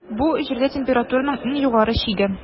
Бу - Җирдә температураның иң югары чиге.